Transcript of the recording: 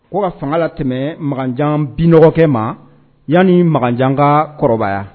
O ka fanga la tɛmɛ makanjan bikɛ ma yan ni makanjanga kɔrɔbaya